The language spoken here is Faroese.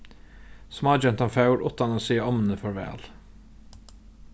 smágentan fór uttan at siga ommuni farvæl